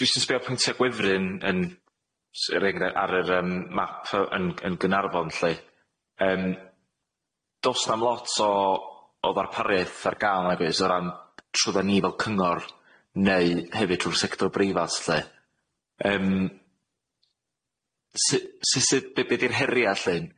Dwi jyst yn sbio pwyntiau gwyfryn yn s- er engre- ar yr yym map yy yn yn Gaernarfon lly yym do's na'm lot o o ddarpariaeth ar ga'l nagwyd so ran trwyddan ni fel cyngor neu hefyd trw'r sector breifat lly yym su- su- sud be- be' di'r heria' lly?